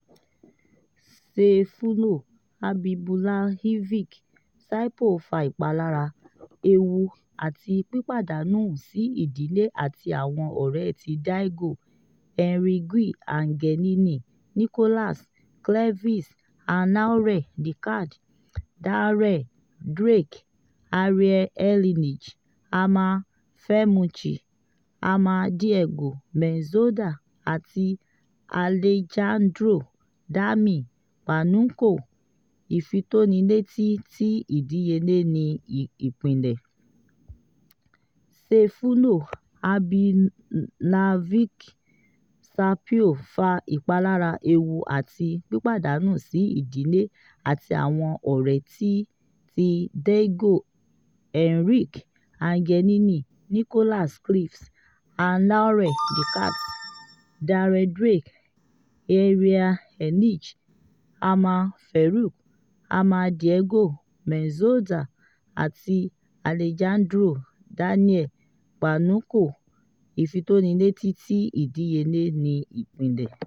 "Sayfullo Habibullaevic Saipov fa ìpalára, ewu, àti pípàdánù sí ìdílé àti àwọn ọ̀rẹ́ tí Diego Enrique Angelini, Nicholas Cleves, Ann-Laure Decadt, Darren Drake, Ariel Erlij, Hernan Ferruchi, Hernan Diego Mendoza, àti Alejandro Damian Pagnucco, "Ìfitónilétí ti ìdíyelé ní Ìpínlẹ̀